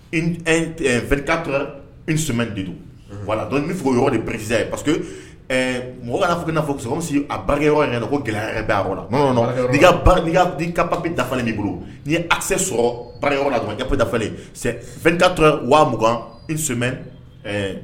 Mɛ wa don n bɛ fɔ' yɔrɔ deere ye parce mɔgɔ b'a fɔ n'a fɔ si a barikakɛ ɲɔgɔn ɲɛna ko gɛlɛya b' la ka ka bɛ dafalen bolo n ye ase sɔrɔ bara ɲɔgɔn tuma jafe dafalen fɛn tora wauganmɛ